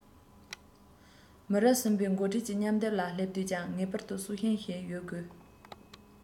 མི རབས གསུམ པའི འགོ ཁྲིད ཀྱི མཉམ བསྡེབ ལ སླེབས དུས ཀྱང ངེས པར དུ སྲོག ཤིང ཞིག ཡོད དགོས